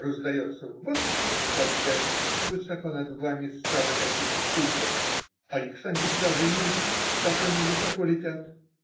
раздается в воздухе, когда летит высоко над вами стадо таких уток, а их самих даже и не видно, так они высоко летят.